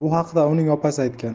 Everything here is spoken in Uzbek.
bu haqda uning opasi aytgan